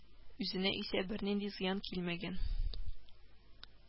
Үзенә исә бернинди зыян килмәгән